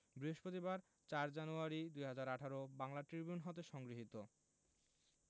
বৃহস্পতিবার ০৪ January ২০১৮ Bangla Tribune হতে সংগৃহীত